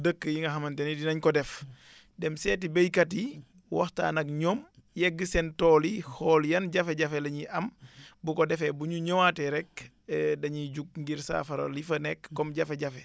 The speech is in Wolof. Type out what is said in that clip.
dëkk yi nga xamante ni dinañ ko def dem seeti béykat yi waxtaan ak ñoom yegg seen tool yi xool yan jafe-jafe la ñuy am bu ko defee bu ñu ñëwaatee rek dañiy jug ngir saafara li fa nekk comme jafe-jafe